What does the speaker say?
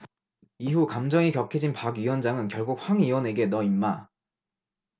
이후 감정이 격해진 박 위원장은 결국 황 의원에게 너 임마